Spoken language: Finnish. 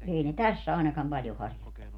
ei ne tässä ainakaan paljon harjoittanut